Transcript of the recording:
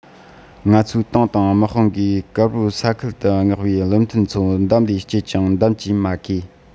ང ཚོའི ཏང དང དམག དཔུང གིས དཀར པོའི ས ཁུལ དུ མངགས པའི བློ མཐུན ཚོ འདམ ལས སྐྱེས ཀྱང འདམ གྱིས མ འགོས